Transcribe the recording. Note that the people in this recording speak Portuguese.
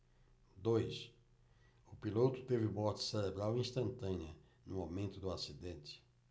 dois o piloto teve morte cerebral instantânea no momento do acidente